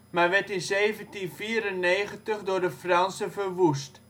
maar werd in 1794 door de Fransen verwoest